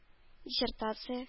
Диссертация